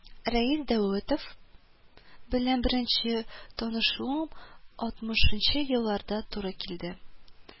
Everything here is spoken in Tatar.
Рәис Даутов белән беренче танышуым алтмышынчы елларга туры килә